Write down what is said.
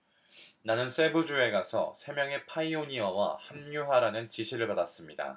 나는 세부 주에 가서 세 명의 파이오니아와 합류하라는 지시를 받았습니다